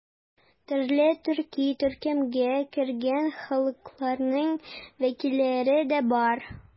Төрле төрки төркемгә кергән халыкларның вәкилләре дә бар.